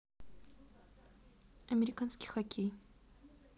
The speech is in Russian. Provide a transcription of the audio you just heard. американский хоккей